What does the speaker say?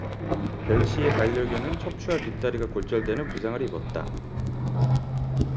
변씨의 반려견은 척추와 뒷다리가 골절되는 부상을 입었다